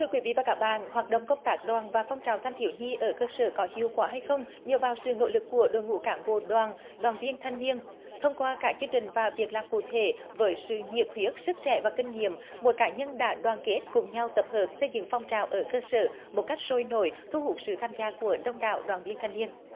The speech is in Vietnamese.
thưa quý vị và các bạn hoạt động công tác đoàn và phong trào thanh thiếu nhi ở cơ sở có hiệu quả hay không nhờ vào sự nỗ lực của đội ngũ cán bộ đoàn đoàn viên thanh niên thông qua các chương trình và việc làm cụ thể với sự nhiệt huyết sức trẻ và kinh nghiệm mỗi cá nhân đã đoàn kết cùng nhau tập hợp xây dựng phong trào ở cơ sở một cách sôi nổi thu hút sự tham gia của đông đảo đoàn viên thanh niên